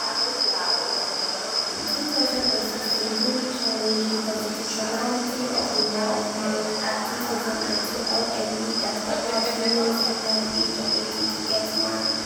In 2016, Gyumi challenged the constitutionality of the Law of Marriage Act, 2002 (LMA) that allowed females under the age of 18 to get married.